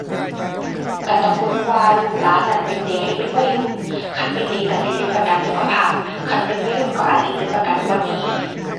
ก็ต้องเบิ่งว่าลูกหลานนั้นเป็นเด็กหรือเป็นวัยรุ่น คันเป็นเด็กก็สิเป็นประกันสุขภาพ คันเป็นวัยรุ่นก็อาจสิเป็นประกันอุบัติเหตุ